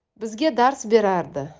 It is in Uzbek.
bizga dars berardi